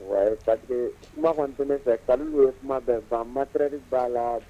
Ouai parce que kuma kɔni te ne fɛ Kalilu ye kuma bɛɛ ban matériel b'a la